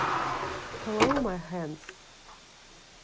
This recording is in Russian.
hello my hands